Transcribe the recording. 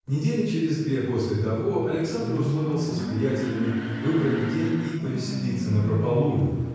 Недели через две после того Александр условился с приятелями выбрать день и повеселиться напропалую